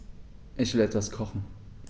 Ich will etwas kochen.